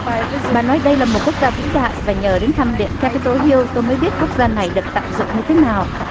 bà nói đây là một quốc gia vĩ đại và nhờ đến thăm điện ca pi tô hiêu tôi mới biết quốc gia này được tạo dựng như thế nào